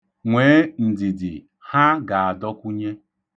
Nwee ndidi. Ha ga-adọkwụnye.